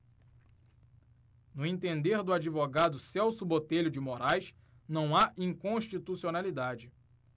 no entender do advogado celso botelho de moraes não há inconstitucionalidade